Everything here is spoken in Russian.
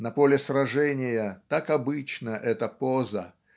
на поле сражения так обычна эта поза